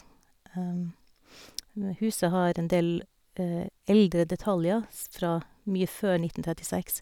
Huset har har en del eldre detaljer s fra mye før nitten trettiseks.